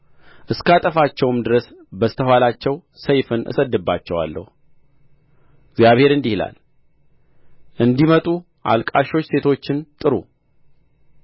እስካጠፋቸውም ድረስ በስተ ኋላቸው ሰይፍን እሰድድባቸዋለሁ እግዚአብሔር እንዲህ ይላል እንዲመጡ አልቃሾች ሴቶችን ጥሩ